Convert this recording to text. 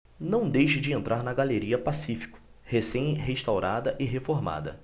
não deixe de entrar na galeria pacífico recém restaurada e reformada